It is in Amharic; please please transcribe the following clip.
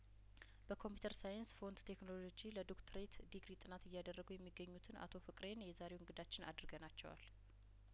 በኮምፒውተር ሳይንስ ፎንት ቴክኖሎጂ ለዶክትሬት ዲግሪ ጥናት እያደረጉ የሚገኙትን አቶ ፍቅሬን የዛሬው እንግዳችን አድርገናቸዋል